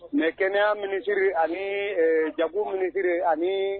Mɛ kɛnɛyaya minisiriri ani jago minisiriri ani